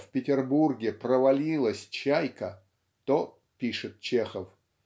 в Петербурге провалилась "Чайка" то пишет Чехов